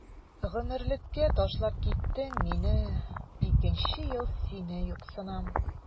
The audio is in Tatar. Гомерлеккә ташлап киттең мине, икенче ел сине юксынам.